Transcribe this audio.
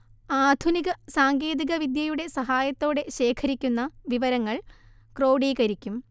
ആധുനിക സാങ്കേതിക വിദ്യയുടെ സഹായത്തോടെ ശേഖരിക്കുന്ന വിവരങ്ങൾ ക്രോഡീകരിക്കും